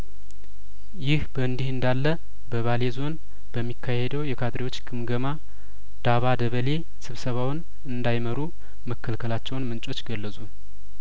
ይህ በእንዲህ እንዳለበባሌ ዞን በሚካሄደው የካድሬዎች ግምገማ ዳባ ደበሌ ስብሰባውን እንዳይመሩ መከልከላቸውን ምንጮቹ ገለጹ